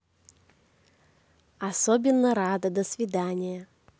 особенно рада до свидания